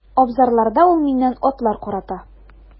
Абзарларда ул миннән атлар карата.